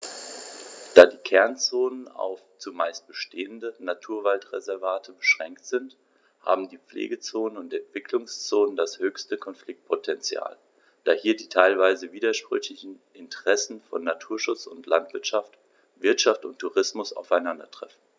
Da die Kernzonen auf – zumeist bestehende – Naturwaldreservate beschränkt sind, haben die Pflegezonen und Entwicklungszonen das höchste Konfliktpotential, da hier die teilweise widersprüchlichen Interessen von Naturschutz und Landwirtschaft, Wirtschaft und Tourismus aufeinandertreffen.